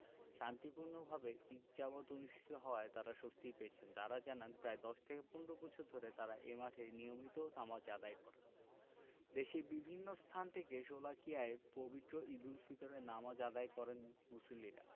শান্তিপূর্ণভাবে ঈদ জামাত অনুষ্ঠিত হওয়ায় তাঁরা স্বস্তি পেয়েছেন তাঁরা জানান প্রায় ১০ থেকে ১৫ বছর ধরে তাঁরা এ মাঠে নিয়মিত নামাজ আদায় করেন দেশের বিভিন্ন স্থান থেকে শোলাকিয়ায় পবিত্র ঈদুল ফিতরের নামাজ আদায় করেন মুসল্লিরা